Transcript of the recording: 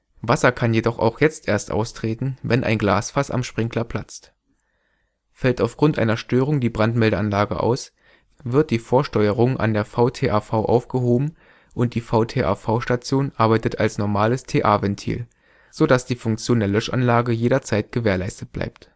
Wasser kann jedoch auch jetzt erst austreten, wenn ein Glasfass am Sprinkler platzt. Fällt aufgrund einer Störung die Brandmeldeanlage aus, wird die Vorsteuerung an der VTAV aufgehoben und die VTAV-Station arbeitet als normales TA-Ventil, so dass die Funktion der Löschanlage jederzeit gewährleistet bleibt